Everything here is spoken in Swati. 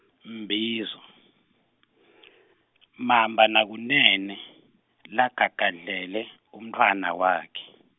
Mbizo , Mamba naKunene, lagagadlele, umntfwana wakhe.